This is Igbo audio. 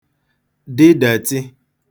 dị dètị [borrowed]